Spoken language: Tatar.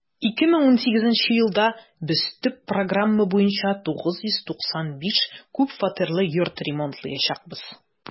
2018 елда без төп программа буенча 995 күп фатирлы йорт ремонтлаячакбыз.